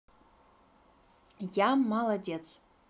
я молодец